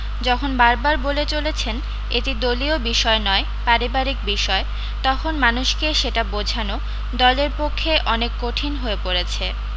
যখন বারবার বলে চলেছেন এটি দলীয় বিষয় নয় পারিবারিক বিষয় তখন মানুষকে সেটা বোঝানো দলের পক্ষে অনেক কঠিন হয়ে পড়েছে